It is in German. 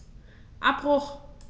Abbruch.